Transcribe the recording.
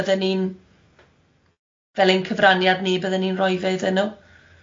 bydden ni'n fel ein cyfraniad ni bydden ni'n rhoi fe iddyn nhw?